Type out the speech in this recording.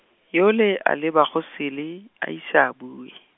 yole a leba go sele, a ise a bue.